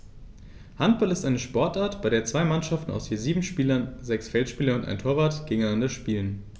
Handball ist eine Sportart, bei der zwei Mannschaften aus je sieben Spielern (sechs Feldspieler und ein Torwart) gegeneinander spielen.